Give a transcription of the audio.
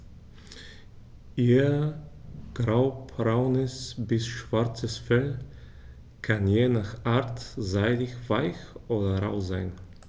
Ihr graubraunes bis schwarzes Fell kann je nach Art seidig-weich oder rau sein.